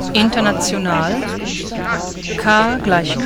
International: K =